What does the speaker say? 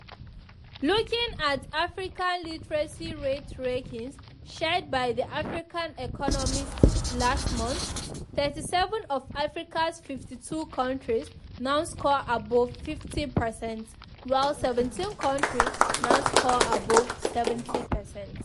Looking at African literacy rate rankings shared by The African Economist last month, 37 of Africa's 52 countries now score above 50 percent, while 17 countries now score above 70 percent.